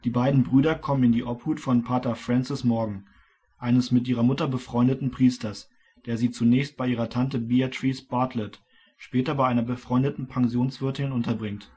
beiden Brüder kommen in die Obhut von Pater Francis Morgan, eines mit ihrer Mutter befreundeten Priesters, der sie zunächst bei ihrer Tante Beatrice Bartlett, später bei einer befreundeten Pensionswirtin unterbringt